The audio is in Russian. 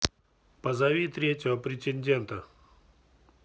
позови третьего претендента